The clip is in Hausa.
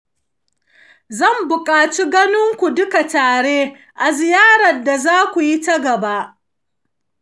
zan bukaci ganin ku duka tare a ziyarar da za ku yi ta gaba.